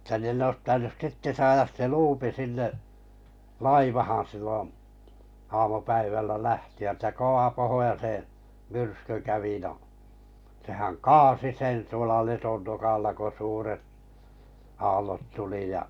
että niiden olisi pitänyt sitten saada se luuppi sinne laivaan silloin aamupäivällä lähtivät ja kova pohjoisen myrsky kävi no sehän kaatoi sen tuolla Letonnokalla kun suuret aallot tuli ja